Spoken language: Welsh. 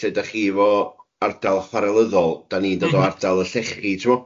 lle dach chi 'fo ardal chwarelyddol, da ni'n... m-hm... dod o ardal y llechi t'mo?